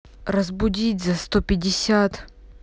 разбудить за сто пятьдесят